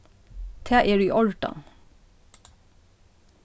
tað er í ordan